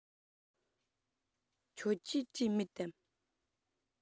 ཁྱོད ཀྱིས བྲིས མེད དམ